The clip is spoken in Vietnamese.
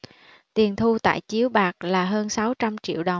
tiền thu tại chiếu bạc là hơn sáu trăm triệu đồng